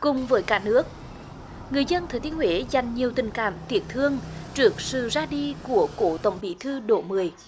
cùng với cả nước người dân thừa thiên huế dành nhiều tình cảm tiếc thương trước sự ra đi của cố tổng bí thư đỗ mười